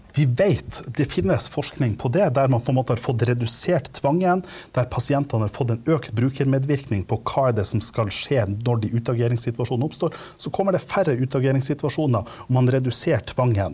vi veit det finnes forskning på det der man på en måte har fått redusert tvangen, der pasientene har fått en økt brukermedvirkning på hva er det som skal skje når de utageringssituasjonene oppstår, så kommer det færre utageringssituasjoner og man reduserer tvangen.